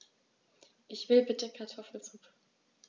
Ich will bitte Kartoffelsuppe.